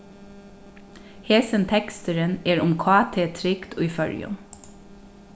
hesin teksturin er um kt-trygd í føroyum